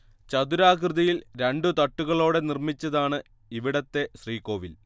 ചതുരാകൃതിയിൽ രണ്ട് തട്ടുകളോടെ നിർമ്മിച്ചതാണ് ഇവിടത്തെ ശ്രീകോവിൽ